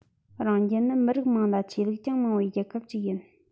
རང རྒྱལ ནི མི རིགས མང ལ ཆོས ལུགས ཀྱང མང བའི རྒྱལ ཁབ ཅིག ཡིན